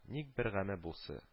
Ник бер гаме булсы